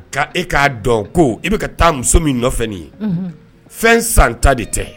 Ka e ka dɔn ko e bi ka taa muso min nɔfɛ nin ye Unhun fɛn san ta de tɛ